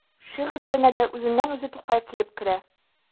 Шигырьләренә дә үзеннән-үзе Тукай килеп керә.